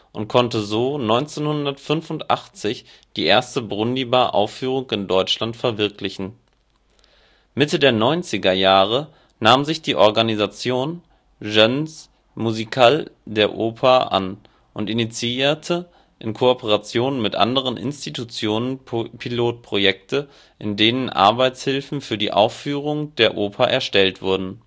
und konnte so 1985 die erste Brundibar-Aufführung in Deutschland verwirklichen. Mitte der neunziger Jahre nahm sich die Organisation " Jeunesses Musicales " der Oper an und initiierte in Kooperation mit anderen Institutionen Pilotprojekte, in denen Arbeitshilfen für die Aufführung der Oper erstellt wurden